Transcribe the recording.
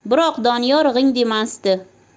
biroq doniyor g'ing demasdi